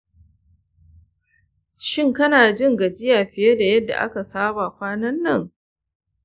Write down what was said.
shin kana jin gajiya fiye da yadda aka saba kwanan nan?